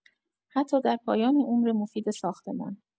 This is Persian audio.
حتی در پایان عمر مفید ساختمان